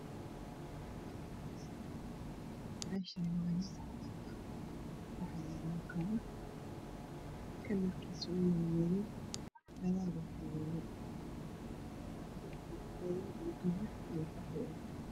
Meshan waa miis cadan ah waxayalo kobo kalarkoda yahay madow gadal waxyalo darbi madow io gaduud io qaxwi ah